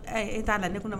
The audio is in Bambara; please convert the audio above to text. E t'a la ne kɔnɔ